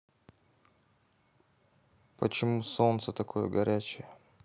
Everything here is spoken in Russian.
почему солнце такое горячее